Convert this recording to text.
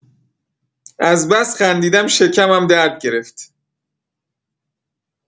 از بس خندیدم شکمم درد گرفت